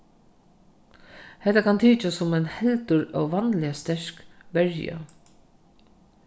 hetta kann tykjast sum ein heldur óvanliga sterk verja